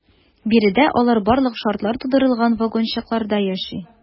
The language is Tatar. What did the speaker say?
Биредә алар барлык шартлар тудырылган вагончыкларда яши.